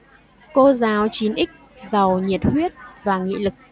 cô giáo chín x giàu nhiệt huyết và nghị lực